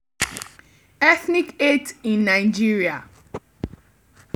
Ethnic hate in Nigeria